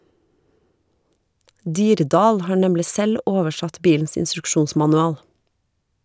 Dirdal har nemlig selv oversatt bilens instruksjonsmanual.